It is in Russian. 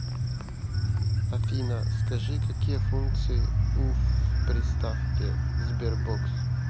афина скажи какие функции у в приставке sberbox